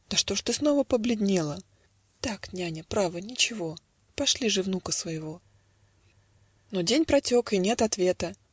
Да что ж ты снова побледнела?" - Так, няня, право ничего. Пошли же внука своего. Но день протек, и нет ответа.